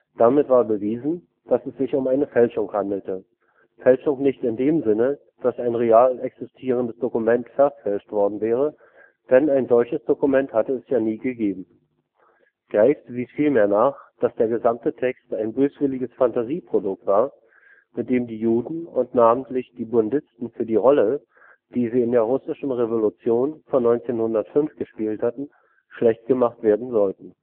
Damit war bewiesen, dass es sich um eine Fälschung handelte – Fälschung nicht in dem Sinne, dass ein real existierendes Dokument verfälscht worden wäre, denn ein solches Dokument hatte es ja nie gegeben. Graves wies vielmehr nach, dass der gesamte Text ein böswilliges Phantasieprodukt war, mit dem die Juden und namentlich die Bundisten für die Rolle, die sie in der Russischen Revolution von 1905 gespielt hatten, schlechtgemacht werden sollten